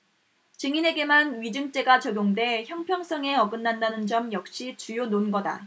증인에게만 위증죄가 적용돼 형평성에 어긋난다는 점 역시 주요 논거다